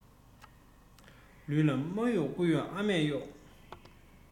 ལུས ལ མ གཡོགས དགུ གཡོགས ཨ མས གཡོགས